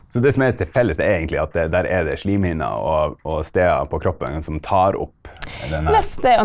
så det som er til felles det er egentlig at der er det slimhinner og og steder på kroppen som tar opp den der.